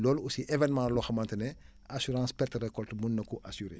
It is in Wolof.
loolu aussi événement loo xamante ne assurance perte récolte mun na ko assurer